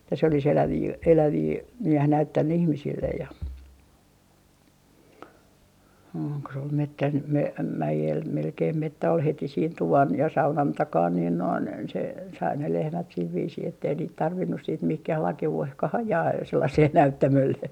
että se olisi eläviä eläviä - näyttänyt ihmisille ja on kun se oli metsän - mäellä melkein metsä oli heti siinä tuvan ja saunan takana niin noin se sai ne lehmät sillä viisiin että ei niitä tarvinnut sitten mihinkään lakeuteenkaan ajaa sellaiselle näyttämölle